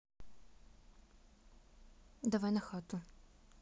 давай на хату